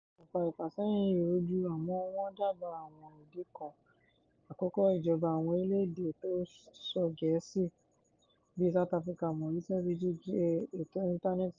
Òkùnfà ìfàsẹ́yìn yìí rújú àmọ́ wọ́n dábàá àwọn ìdí kan: 1)Ìjọba àwọn orílẹ̀ èdè tó ń sọ Gẹ́ẹ̀sì bii (South Africa, Mauritius, Egypt) ṣe ètò ìǹtánẹ́ẹ̀tì tó gbóòrò.